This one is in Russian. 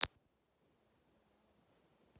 детские мультсериалы